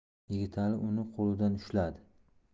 yigitali uni qo'lidan ushladi